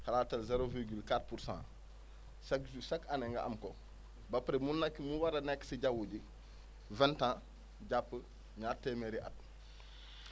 xalaatal zero virgule :ra quatre pour cent chaque chaque année nga am ko ba pare mun nekk mu war a nekk si jaww ji vingt ans jàpp ñaar téeméeri at